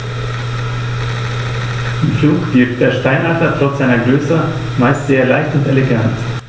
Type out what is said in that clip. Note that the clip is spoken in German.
Im Flug wirkt der Steinadler trotz seiner Größe meist sehr leicht und elegant.